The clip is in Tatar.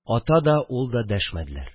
Ата да, ул да дәшмәделәр